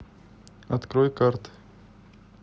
открой карты